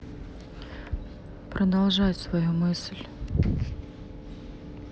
продолжай свою мысль